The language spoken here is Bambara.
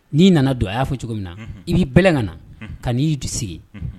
N'i nana don a y'a fɔ cogo min na i b'i bɛlɛn ka na ka n'i sigi